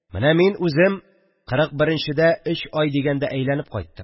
Менә мин үзем кырык беренчедә өч ай дигәндә әйләнеп кайттым